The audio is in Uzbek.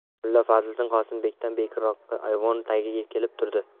mulla fazliddin qosimbekdan beriroqqa ayvon tagiga kelib turdi